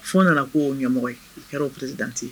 Fo nana koo ɲɛmɔgɔ ye hɛrɛ o prete dante